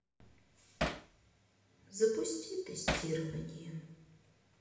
запусти тестирование